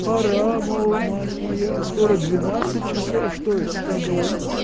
Пора, мол, мать моя: скоро двенадцать часов, что это с тобой?